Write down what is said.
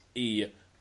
i